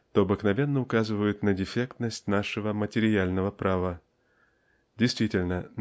то обыкновенно указывают на дефектность нашего материального права. Действительно